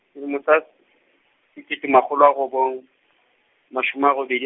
selemo sa, sekete ma hlola robong, mashome a robedi.